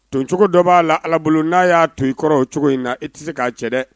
Ton cogo dɔ b'a la ala bolo n'a y'a to i kɔrɔ o cogo in na i tɛ se k'a cɛ dɛ